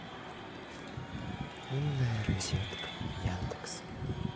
умная розетка яндекс